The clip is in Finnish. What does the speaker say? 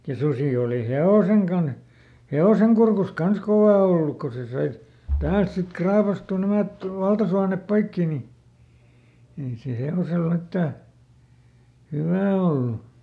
ja susi oli hevosen kanssa hevosen kurkussa kanssa kova ollut kun se sai täältä sitten raapaistua nämä valtasuonet poikki niin ei se hevoselle mitään hyvää ollut